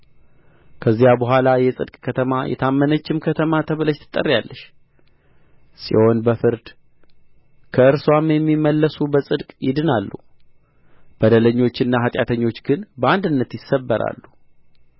ከዚያም በኋላ የጽድቅ ከተማ የታመነችም ከተማ ተብለሽ ትጠሪያለሽ ጽዮን በፍርድ ከእርሷም የሚመለሱ በጽድቅ ይድናሉ በደለኞችና ኃጢአተኞች ግን በአንድነት ይሰበራሉ